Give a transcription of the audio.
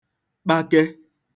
kpake